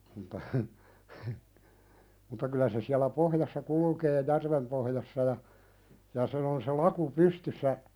mutta heh heh mutta kyllä se siellä pohjassa kulkee järven pohjassa ja ja sen on se laku pystyssä